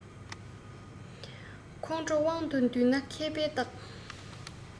ཁོང ཁྲོ དབང དུ འདུས ན མཁས པའི རྟགས